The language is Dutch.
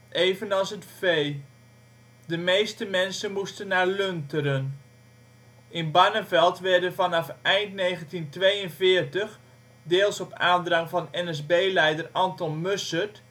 evenals het vee. De meeste mensen moesten naar Lunteren. In Barneveld werden vanaf eind 1942, deels op aandrang van NSB-leider Anton Mussert